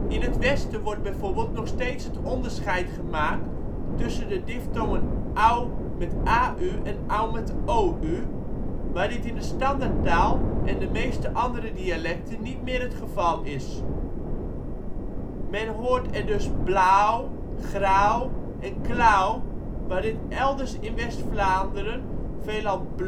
In het westen wordt bijvoorbeeld nog steeds het onderscheid gemaakt tussen de diftongen au en ou, waar dit in de standaardtaal en de meeste andere dialecten niet meer het geval is. Men hoort er dus blaauw, graauw en klaauw, waar dit elders in West-Vlaanderen veelal blow